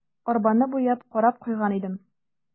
Арбаны буяп, карап куйган идем.